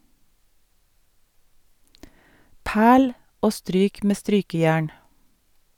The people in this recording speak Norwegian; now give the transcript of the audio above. Perl , og stryk med strykejern.